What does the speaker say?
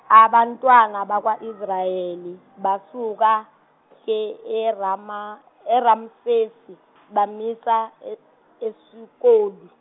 abantwana bakwa Israyeli basuka e- eRama- eRamsesi bamisa e- eSukoti.